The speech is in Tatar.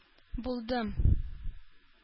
Булдым